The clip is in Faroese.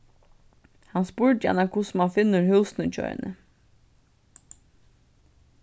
hann spurdi hana hvussu mann finnur húsini hjá henni